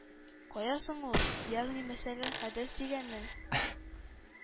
Кая соң ул, ягъни мәсәлән, хәдәс дигәнең?